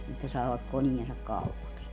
että saavat koneensa kaupaksi